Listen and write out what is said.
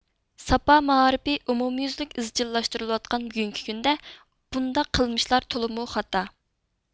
ساپا مائارىپى ئومۇميۈزلۈك ئىزچىللاشتۇرۇلۇۋاتقان بۈگۈنكى كۈندە بۇنداق قىلمىشلار تولىمۇ خاتا